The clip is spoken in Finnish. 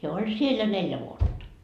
hän oli siellä ja neljä vuotta